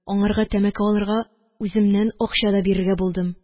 Аңарга тәмәке алырга үземнән акча да бирергә булдым.